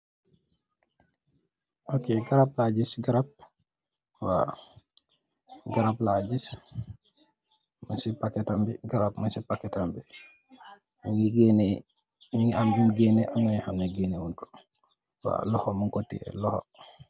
Ok garab la giss garag waw garab la giss mung si paketam bi garab mung si paketam bi nyugi gene mogi am bung gene am yo hameh geneh wun ko waw loxo mung ko tiyeh loxo.